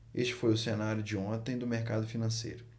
este foi o cenário de ontem do mercado financeiro